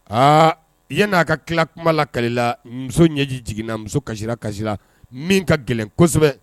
Aa yan n' a ka tila kuma la kalile la muso ɲɛji jiginna muso ka ka min ka gɛlɛn kosɛbɛ